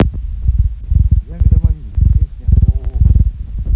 ягода малинка песня ооо